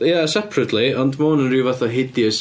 Ie separately ond ma hwn yn rhywfath o hideous...